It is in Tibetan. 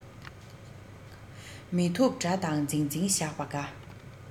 མི ཐུབ དགྲ དང འཛིང འཛིང བཞག པ དགའ